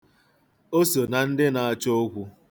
O so na ndị na-achọ okwu.